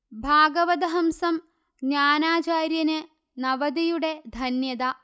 ഭാഗവതഹംസം യജ്ഞാചാര്യന് നവതിയുടെ ധന്യത